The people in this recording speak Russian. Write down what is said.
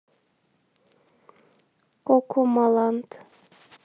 коко маланд